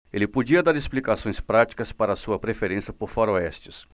ele podia dar explicações práticas para sua preferência por faroestes